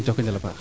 njoko njala paax